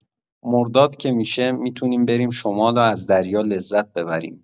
مرداد که می‌شه، می‌تونیم بریم شمال و از دریا لذت ببریم.